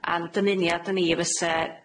a'n dymuniad ni fyse